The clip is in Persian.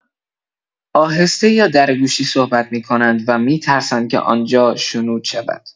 آهسته یا در گوشی صحبت می‌کنند و می‌ترسند که آنجا شنود شود.